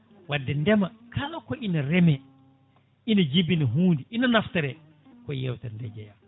wadde ndeema kala ko ina reeme ina jibina hunde ina naftore koye yewtere he jeeya